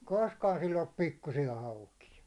koskaan sillä ollut pikkuisia haukia